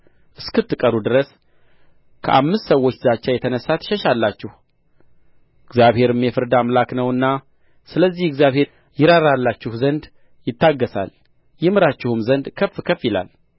እስክትቀሩ ድረስ ከአምስት ሰዎች ዛቻ የተነሣ ትሸሻላችሁ እግዚአብሔርም የፍርድ አምላክ ነውና ስለዚህ እግዚአብሔር ይራራላችሁ ዘንድ ይታገሣል ይምራችሁም ዘንድ ከፍ ከፍ ይላል